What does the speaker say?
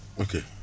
ok